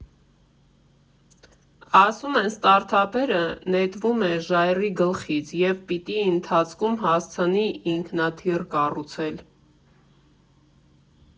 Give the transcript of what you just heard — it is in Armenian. Ասում են՝ ստարտափերը նետվում է ժայռի գլխից և պիտի ընթացքում հասցնի ինքնաթիռ կառուցել։